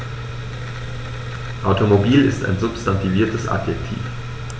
Automobil ist ein substantiviertes Adjektiv.